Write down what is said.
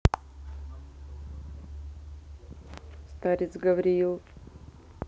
старец гавриил